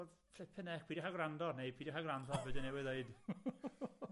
Oedd flippin heck, pidiwch â gwrando arna i pidiwch â gwrando be' dwi newydd ddeud.